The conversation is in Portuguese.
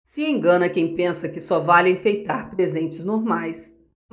se engana quem pensa que só vale enfeitar presentes normais